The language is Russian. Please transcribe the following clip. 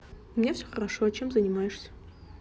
у меня все хорошо чем занимаешься